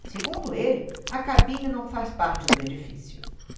segundo ele a cabine não faz parte do edifício